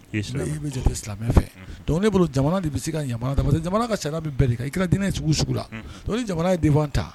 Min jɔ silamɛ fɛ don ne bolo jamana de bɛ se ka jamana ka sa bɛ bɛɛ i diinɛ ye sugu sugu la jamana ye de ta